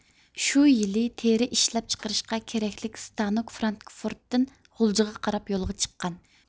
شۇ يىلى تېرە ئىشلەپ چىقىرىشقا كېرەكلىك ئىستانوك فرانكفورتتىن غۇلجىغا قاراپ يولغا چىققان